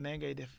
nee ngay def